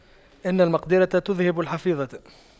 إن المقْدِرة تُذْهِبَ الحفيظة